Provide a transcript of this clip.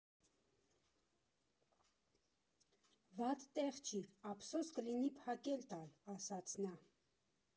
Վատ տեղ չի, ափսոս կլինի փակել տալ, ֊ ասաց նա։